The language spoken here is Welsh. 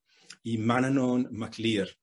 i Manannán mac Lir.